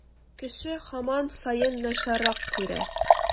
Кеше һаман саен начаррак күрә.